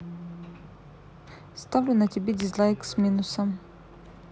ставлю на тебе дизлайк с минусом